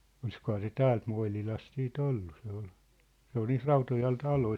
olisikohan se täältä Moinilasta sitten ollut se oli se on niitä Rautojan taloja